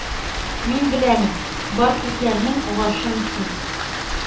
Мин беләмен, бар күкләрең, гаршең синең